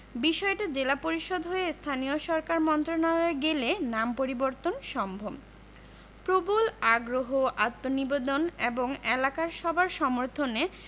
বিষয়টা জেলা পরিষদ হয়ে স্থানীয় সরকার মন্ত্রণালয়ে গেলে নাম পরিবর্তন সম্ভব প্রবল আগ্রহ আত্মনিবেদন এবং এলাকার সবার সমর্থনে